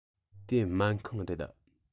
དེ སྨན ཁང རེད